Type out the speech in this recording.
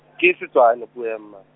ke Setswana puo ya mma.